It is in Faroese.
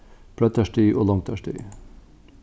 breiddarstig og longdarstig